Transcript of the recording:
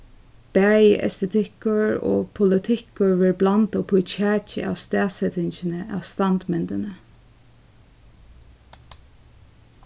bæði estetikkur og politikkur verður blandað upp í kjakið av staðsetingini av standmyndini